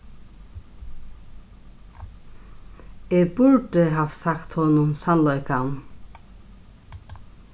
eg burdi havt sagt honum sannleikan